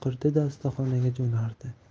o'qirdida ustaxonaga jo'nardi